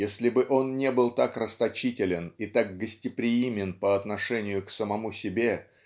если бы он не был так расточителен и так гостеприимен по отношению к самому себе